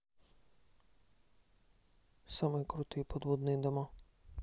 самые крутые подводные дома